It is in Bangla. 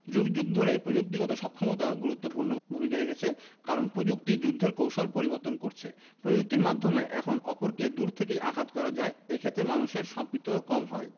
যুগ যুগ ধরেই প্রযুক্তিগত সক্ষমতা গুরুত্বপূর্ণ ভূমিকা রেখেছে কারণ প্রযুক্তিই যুদ্ধের কৌশল পরিবর্তন করছে প্রযুক্তির মাধ্যমে এখন অপরকে দূর থেকেই আঘাত করা যায় এ ক্ষেত্রে মানুষের সম্পৃক্ততাও কম হয়